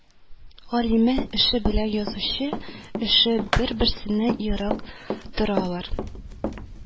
Галиме эше белән язучы эше бер-берсеннән ерак торалар